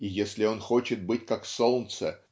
и если он хочет быть как солнце